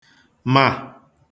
mà